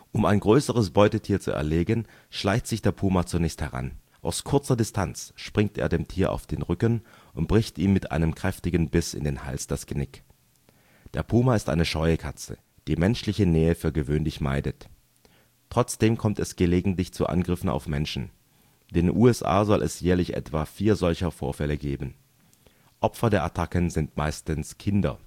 Um ein größeres Beutetier zu erlegen, schleicht sich der Puma zunächst heran. Aus kurzer Distanz springt er dem Tier auf den Rücken und bricht ihm mit einem kräftigen Biss in den Hals das Genick. Der Puma ist eine scheue Katze, die menschliche Nähe für gewöhnlich meidet. Trotzdem kommt es gelegentlich zu Angriffen auf Menschen. In den USA soll es jährlich etwa vier solcher Vorfälle geben. Opfer der Attacken sind meistens Kinder